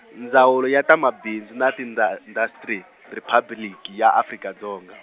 Ndzawulo ya ta Mabindzu na Tinda- -ndastri Riphabliki ya Afrika Dzonga.